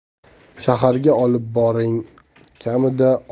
shaharga olib boring kamida